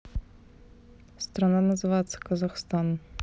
страна называется казахстан